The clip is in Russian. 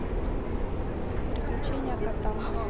приключения кота